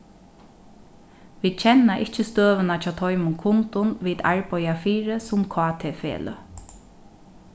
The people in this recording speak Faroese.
vit kenna ikki støðuna hjá teimum kundum vit arbeiða fyri sum kt-feløg